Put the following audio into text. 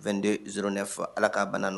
2209 Ala ka bana nɔ